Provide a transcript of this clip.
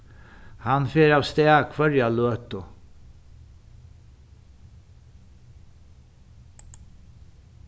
hann fer avstað hvørja løtu